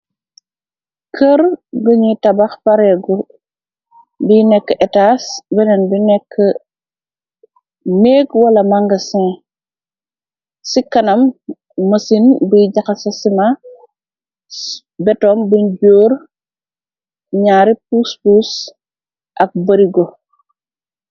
Kër gu ñuy tabax bareegu, bi nekk etas, beneen bi nekk néeg wala mangasin, ci kanam, mësin bi jaxa sa sima, betoong buñ jóor, ñaari puspus, ak barigo.